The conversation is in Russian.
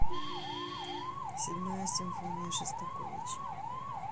седьмая симфония шестаковича